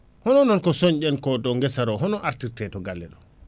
hono noon k sooñɗen ko to guessa to hono artirte to galle ɗo